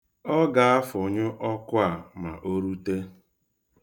Ọ ga-afụnyụ ọkụ a ma o rute.